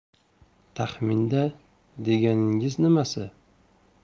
taxminda deganingiz nimasi